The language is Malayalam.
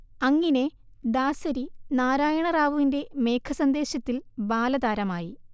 അങ്ങിനെ ദാസരി നാരായണ റാവുവിന്റെ മേഘസന്ദേശത്തിൽ ബാലതാരമായി